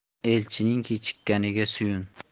elchining kechikkaniga suyun